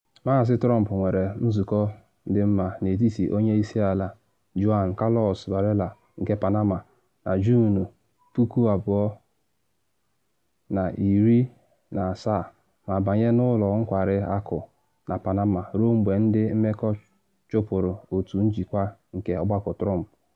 Maazị Trump nwere nzụkọ dị mma n’etiti Onye Isi Ala Juan Carlos Varela nke Panama na Juun 2017 ma banye n’ụlọ nkwari akụ na Panama ruo mgbe ndị mmekọ chụpụrụ otu njikwa nke Ọgbakọ Trump.